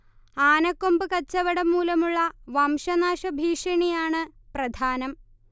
ആനക്കൊമ്പ് കച്ചവടം മൂലമുള്ള വംശനാശ ഭീഷണിയാണ് പ്രധാനം